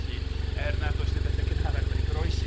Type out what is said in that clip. Felly er nad oes 'na bethau cynharach wedi goroesi